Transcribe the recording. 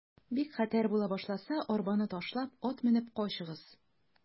Бик хәтәр була башласа, арбаны ташлап, ат менеп качыгыз.